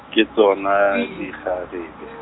ke tsona dikgarebe.